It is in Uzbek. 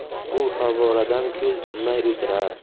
u favvoradan ko'z uzmay o'tirar